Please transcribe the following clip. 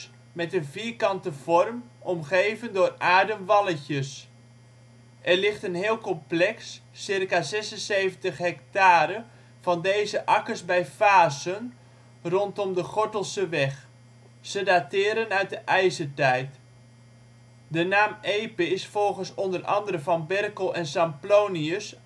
vorm omgeven door aarden walletjes). Er ligt een heel complex (ca 76 ha) van deze akkers bij Vaassen, rond de Gortelseweg. Ze dateren uit de IJzertijd. De naam Epe is volgens o.a. Van Berkel en Samplonius